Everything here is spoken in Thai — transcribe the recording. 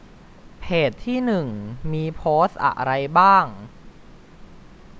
เพจที่หนึ่งมีโพสต์อะไรบ้าง